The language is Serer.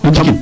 O jikin .